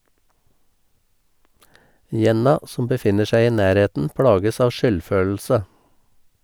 Jenna, som befinner seg i nærheten, plages av skyldfølelse.